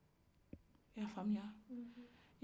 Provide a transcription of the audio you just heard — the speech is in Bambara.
i ye a faamuya